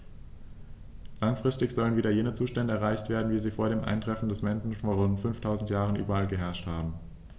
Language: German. Langfristig sollen wieder jene Zustände erreicht werden, wie sie vor dem Eintreffen des Menschen vor rund 5000 Jahren überall geherrscht haben.